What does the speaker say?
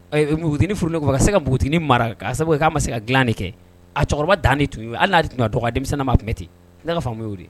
Mut flen ka se ka mugtinin mara kan sabu k'a ma se ka dilali kɛ a cɛkɔrɔba dan tun ye hali' tun denmisɛn ma tɛmɛmɛ ten n' ka'o de